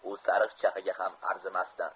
u sariq chaqaga ham arzimasdi